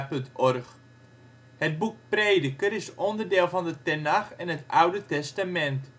Het boek Prediker is onderdeel van de Tenach en het Oude Testament